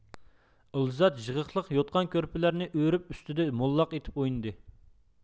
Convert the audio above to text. ئېلزاد يىغىقلىق يوتقان كۆرپىلەرنى ئۆرۈپ ئۈستىدە موللاق ئېتىپ ئوينىدى